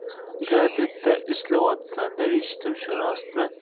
gazetda ishlavotsan deb eshitdim shu rostmi